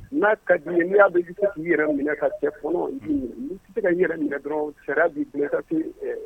N'a ka di n y'a bɛ yɛrɛ minɛ ka cɛ fɔlɔ n tɛ se ka yɛrɛ minɛ dɔrɔn cɛ bɛ bilen